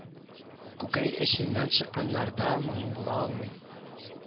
Күкәй эченнән чыкканнарда моң була алмый